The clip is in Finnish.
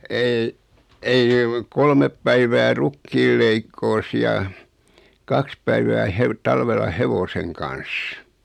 ei ei kolme päivää rukiin leikkuussa ja kaksi päivää - talvella hevosen kanssa